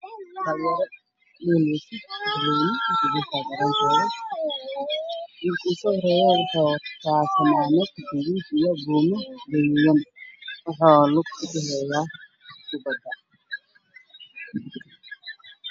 Ayay muuqda garoon lagu dheelayay kubadda cagta fanaanado od ah qaar ayaa wata qaarka kalena waxay wataan faraadado caddaysi iyo agaar-xigeen ah waxaana daawanaya taageero